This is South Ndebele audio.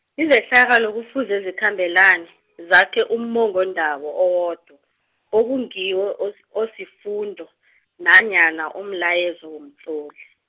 izehlakalo kufuze zikhambelane , zakhe ummongondaba owodwa, ekungiwo os- osifundo, nanyana umlayezo womtloli.